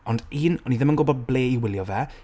ond un, o'n i ddim yn gwybod ble i wylio fe.